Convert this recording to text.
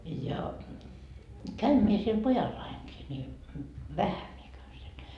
ja käyn minä siellä pojallanikin niin vähän minä käyn siellä